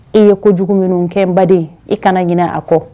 E ye jugu minnu kɛ n baden e kana ɲin a kɔ